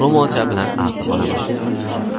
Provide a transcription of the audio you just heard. ro'molcha bilan artib olaman